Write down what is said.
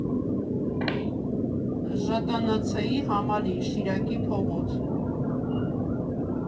ԺՏՆՑ֊ի համալիր, Շիրակի փողոց։